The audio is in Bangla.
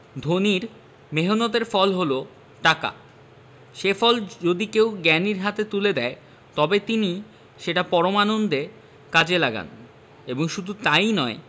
ধনীর মেহনতের ফল হল টাকা সে ফল যদি কেউ জ্ঞানীর হাতে তুলে দেয় তবে তিনি সেটা পরমানন্দে কাজে লাগান এবং শুধু তাই নয়